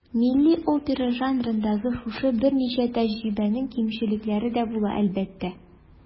Милли опера жанрындагы шушы беренче тәҗрибәнең кимчелекләре дә була, әлбәттә.